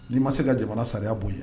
N'i ma se ka jamana sariyaya bɔ ye